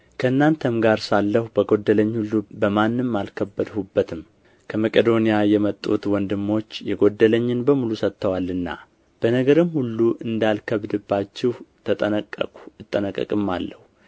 ከእናንተም ጋር ሳለሁ በጎደለኝ ጊዜ በማንም አልከበድሁበትም ከመቄዶንያ የመጡት ወንድሞች የጎደለኝን በሙሉ ሰጥተዋልና በነገርም ሁሉ እንዳልከብድባችሁ ተጠነቀቅሁ እጠነቀቅማለሁ